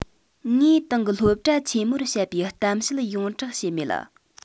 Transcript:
ངས ཏང གི སློབ གྲྭ ཆེན མོར བཤད པའི གཏམ བཤད ཡོངས གྲགས བྱས མེད